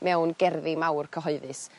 mewn gerddi mawr cyhoeddus